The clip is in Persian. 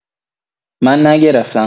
من نگرفتم